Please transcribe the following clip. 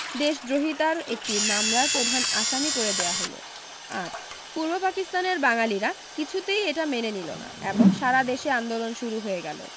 দেশদ্রোহিতার একটি মামলার প্রধান আসামি করে দেয়া হলো ৮ পূর্ব পাকিস্তানের বাঙালিরা কিছুতেই এটা মেনে নিল না এবং সারা দেশে আন্দোলন শুরু হয়ে গেল